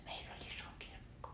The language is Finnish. meillä oli iso kirkko